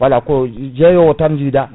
voilà ko jeeyowo o tan jiiɗa